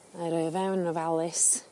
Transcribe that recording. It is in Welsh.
'Nai roi o fewn yn ofalus.